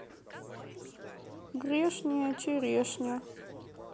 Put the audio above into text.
грешняя черешня